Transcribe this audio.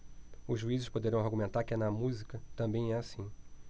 os juízes poderão argumentar que na música também é assim